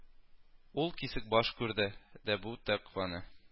Ул Кисекбаш күрде дә бу тәкъваны: